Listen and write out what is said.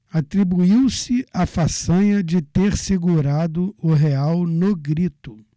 atribuiu-se a façanha de ter segurado o real no grito